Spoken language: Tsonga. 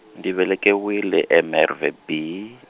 ndzi velekiwile e- Merwe B .